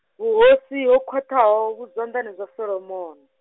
vhuhosi ho khwaṱha ho, vhu zwanḓani zwa Solomoni.